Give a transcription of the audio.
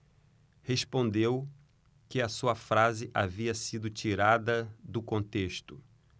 respondeu que a sua frase havia sido tirada do contexto